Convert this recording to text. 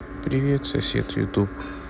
привет сосед ютуб